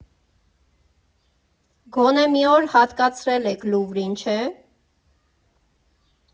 Գոնե մի օր հատկացրել եք Լուվրին, չէ՞։